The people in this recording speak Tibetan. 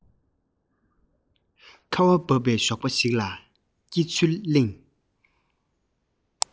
ཁ བ བབས པའི ཞོགས པ ཞིག ལ སྐྱེ ཚུལ གླེང